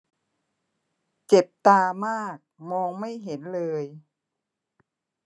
เจ็บตามากมองไม่เห็นเลย